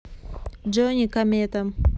jony комета